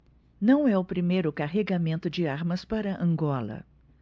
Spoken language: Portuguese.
não é o primeiro carregamento de armas para angola